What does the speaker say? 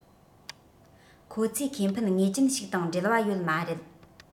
ཁོ ཚོའི ཁེ ཕན ངེས ཅན ཞིག དང འབྲེལ བ ཡོད མ རེད